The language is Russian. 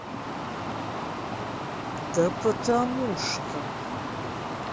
да потому что